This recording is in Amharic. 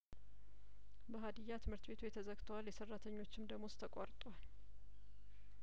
በሀዲያ ትምህርት ቤቶች ተዘግተዋል የሰራተኞችም ደሞዝ ተቋርጧል